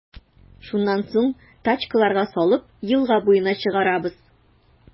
Шуннан соң, тачкаларга салып, елга буена чыгарабыз.